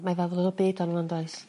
mae feddwl y byd onno fo yndoes?